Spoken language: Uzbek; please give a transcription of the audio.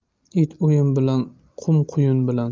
it o'yin bilan qum quyun bilan